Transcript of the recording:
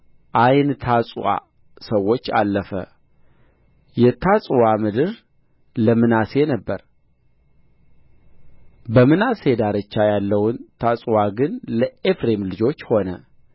ዓይንታጱዋ ሰዎች አለፈ የታጱዋ ምድር ለምናሴ ነበረ በምናሴ ዳርቻ ያለው ታጱዋ ግን ለኤፍሬም ልጆች ሆነ